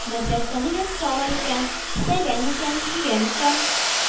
Мәдрәсәне яптыралар икән, фәлән икән, төгән икән!